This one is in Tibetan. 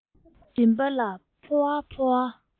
མགྲིན པ ལ ཕོ བ ཕོ བ